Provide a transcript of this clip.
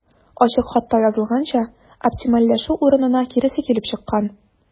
Ачык хатта язылганча, оптимальләшү урынына киресе килеп чыккан.